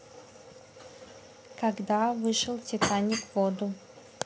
когда вышел титаник воду